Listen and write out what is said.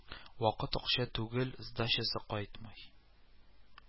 Вакыт акча түгел, сдачасы кайтмый